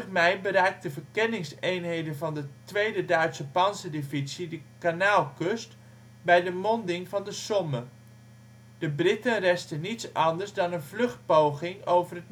mei bereikten verkenningseenheden van de tweede Duitse pantserdivisie de Kanaalkust bij de monding van de Somme. De Britten restte niets anders dan een vluchtpoging over